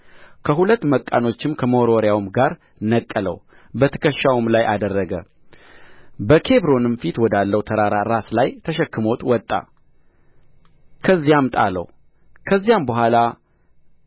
ከሁለቱ መቃኖችና ከመወርወሪያውም ጋር ነቀለው በትከሻውም ላይ አደረገ በኬብሮንም ፊት ወዳለው ተራራ ራስ ላይ ተሸክሞት ወጣ በዚያም ጣለው ከዚህም በኋላ